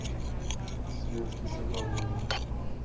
светке соколовой